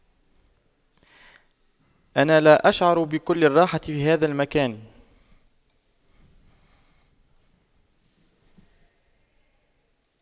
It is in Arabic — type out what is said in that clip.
أنا لا أشعر بكل الراحة في هذا المكان